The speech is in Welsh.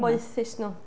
Moethus nhw.